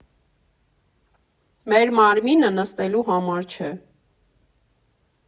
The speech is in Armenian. Մեր մարմինը նստելու համար չէ։